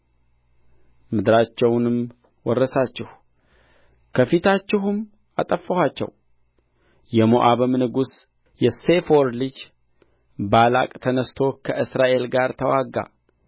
ምድራቸውንም ወረሳችሁ ከፊታችሁም አጠፋኋቸው የሞዓብም ንጉሥ የሴፎር ልጅ ባላቅ ተነሥቶ ከእስራኤል ጋር ተዋጋ